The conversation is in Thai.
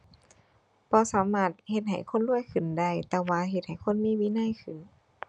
บ่สามารถเฮ็ดให้คนรวยขึ้นได้ แต่ว่าเฮ็ดให้คนมีวินัยขึ้น